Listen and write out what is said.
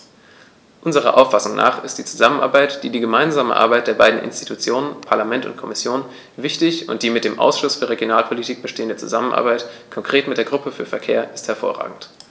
Unserer Auffassung nach ist die Zusammenarbeit, die gemeinsame Arbeit der beiden Institutionen - Parlament und Kommission - wichtig, und die mit dem Ausschuss für Regionalpolitik bestehende Zusammenarbeit, konkret mit der Gruppe für Verkehr, ist hervorragend.